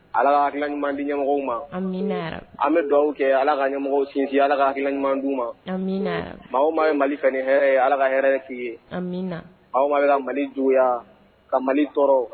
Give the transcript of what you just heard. Ala ka hakilil ɲuman di ɲɛmɔgɔ ma an bɛ dɔw kɛ ala ka ɲɛmɔgɔ sin ala ka ha hakilikil ɲuman di ma maa ma ye mali fɛ ni hɛrɛ ye ala ka hɛrɛɛrɛ si ye anw mali juguyaya ka mali tɔɔrɔ